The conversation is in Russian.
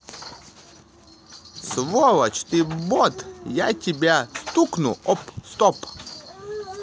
сволочь ты бот я тебя стукну об стол